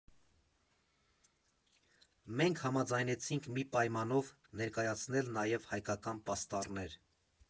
֊ Մենք համաձայնեցինք մի պայմանով՝ ներկայացնել նաև հայկական պաստառներ։